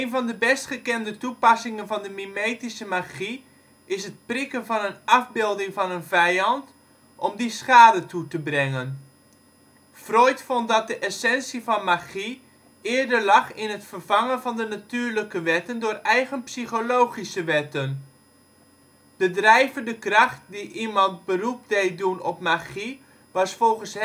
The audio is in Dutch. van de best gekende ' toepassingen ' van de mimetische magie is het ' prikken ' van een afbeelding van een vijand om die schade toe te brengen. Freud vond dat de essentie van magie eerder lag in het vervangen van de natuurlijke wetten door eigen psychologische wetten. De drijvende kracht die iemand beroep deed doen op magie was volgens